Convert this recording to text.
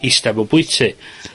...ista mewn bwyty.